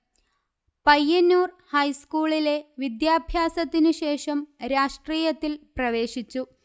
പയ്യന്നൂർ ഹൈസ്കൂളിലെ വിദ്യാഭ്യാസത്തിനു ശേഷം രാഷ്ട്രീയത്തിൽ പ്രവേശിച്ചു